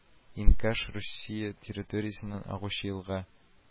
Инкаш Русия территориясеннән агучы елга